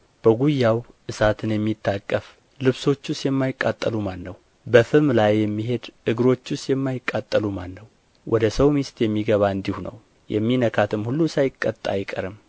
በጉያው እሳትን የሚታቀፍ ልብሶቹስ የማይቃጠሉ ማን ነው በፍም ላይ የሚሄድ እግሮቹስ የማይቃጠሉ ማን ነው ወደ ሰው ሚስት የሚገባም እንዲሁ ነው የሚነካትም ሁሉ ሳይቀጣ አይቀርም